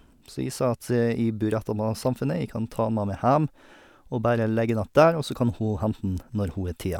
Så jeg sa at jeg bor rett attmed Samfundet, jeg kan ta den med meg heim og bare legge den att der, og så kan hun hente den når hun har tida.